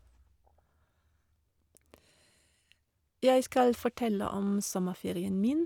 Jeg skal fortelle om sommerferien min.